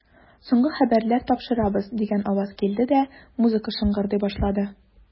Соңгы хәбәрләр тапшырабыз, дигән аваз килде дә, музыка шыңгырдый башлады.